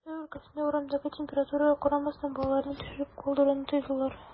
Мәскәү өлкәсендә, урамдагы температурага карамастан, балаларны төшереп калдыруны тыйдылар.